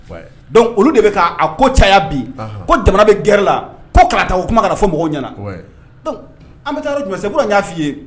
Donc olu de bɛ ka ko caya bi, ko jamana bɛ guerre la ko kalata ko kuma ka na fɔ mɔgɔw ɲɛna,_ouais donc an bɛ taa yɔrɔ jumɛn c'est pourquoi n y'a f'i ɲɛna